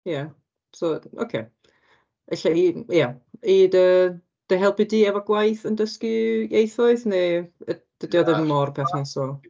Ia so ocê, ella i... ia i dy dy helpu di efo gwaith yn dysgu ieithoedd neu y- dydi o ddim mor perthnasol?